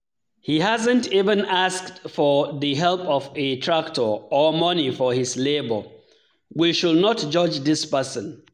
He hasn't even asked for the help of a tractor or money for his labor. We should not judge this person.